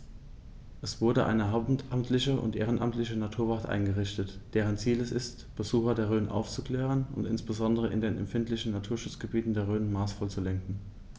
Es wurde eine hauptamtliche und ehrenamtliche Naturwacht eingerichtet, deren Ziel es ist, Besucher der Rhön aufzuklären und insbesondere in den empfindlichen Naturschutzgebieten der Rhön maßvoll zu lenken.